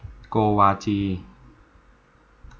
โกวาจี